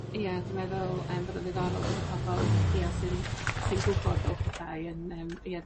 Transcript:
Ie dwi meddwl yym bod yn ddiddorol bod y pobol ie sy'n sy'n gwbod fel petai yn yym ie